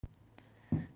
ish juda ham